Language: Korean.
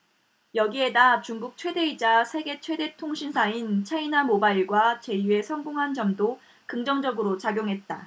여기에다 중국 최대이자 세계 최대 통신사인 차이나모바일과 제휴에 성공한 점도 긍정적으로 작용했다